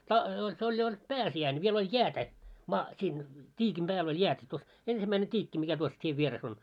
- se oli jo oli pääsiäinen vielä oli jäätä - siinä tiikin päällä oli jäätä tuossa ensimmäinen tiikki mikä tuossa tien vieressä on